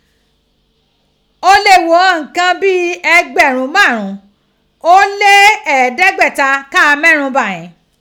Ó lè gho ighan nǹkan bí ẹgbẹ̀rún márùn ún ó lé ẹ̀ẹ́dẹ́gbàáta ká a merun ba ghin.